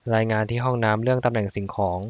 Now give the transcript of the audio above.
รายงานที่ห้องน้ำเรื่องตำแหน่งสิ่งของ